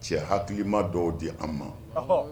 Cɛ halima dɔw di an ma, ɔhɔ.